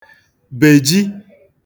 bèji